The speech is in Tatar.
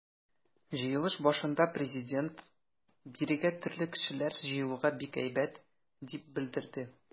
Җыелыш башында Президент: “Бирегә төрле кешеләр җыелуы бик әйбәт", - дип белдерде.